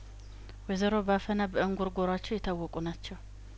ወይዘሮ ባፈና በእንጉርጉሯቸው የታወቁ ናቸው